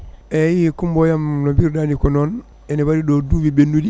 eyyi Coumboyam no mbiruɗani ko noon ene waɗi ɗo duuɓi ɓennuɗi